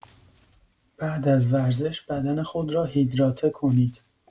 بعد از ورزش بدن خود را هیدراته کنید.